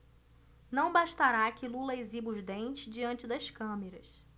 não bastará que lula exiba os dentes diante das câmeras